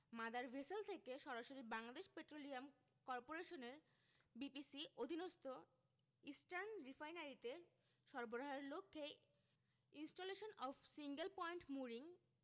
mother vessel থেকে সরাসরি Bangladesh petroleum করপোরেশনের বিপিসি অধীনস্থ ইস্টার্ন রিফাইনারিতে সরবরাহের লক্ষ্যে installation of single point mooring